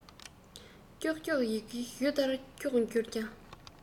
ཀྱོག ཀྱོག ཡི གེ གཞུ ལྟར འཁྱོག གྱུར ཀྱང